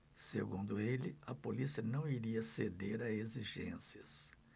segundo ele a polícia não iria ceder a exigências